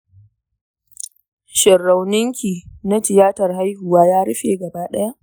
shin rauninki na tiyatar haihuwa ya rufe gaba ɗaya?